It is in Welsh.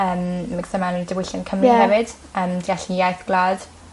yym micso mewn i diwylliant Cymru hefyd. Ie. A yym deall iaith gwlad.